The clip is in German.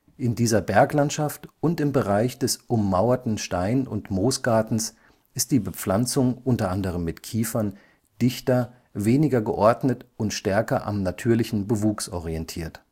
In dieser Berglandschaft und im Bereich des ummauerten Stein - und Moosgartens ist die Bepflanzung – unter anderem mit Kiefern – dichter, weniger geordnet und stärker an natürlichem Bewuchs orientiert